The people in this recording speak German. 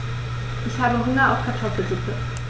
Ich habe Hunger auf Kartoffelsuppe.